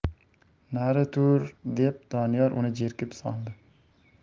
nari tur deb doniyor uni jerkib soldi